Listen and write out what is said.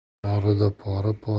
borida pora pora